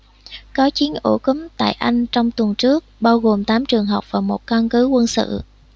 có chín ổ cúm tại anh trong tuần trước bao gồm tám trường học và một căn cứ quân sự